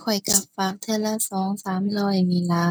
ข้อยก็ฝากเทื่อละสองสามร้อยนี่ล่ะ